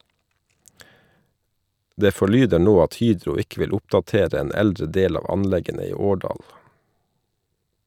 Det forlyder nå at Hydro ikke vil oppdatere en eldre del av anleggene i Årdal.